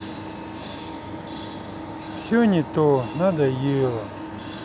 все не то надоело